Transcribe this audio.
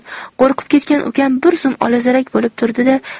qo'rqib ketgan ukam bir zum olazarak bo'lib turdi da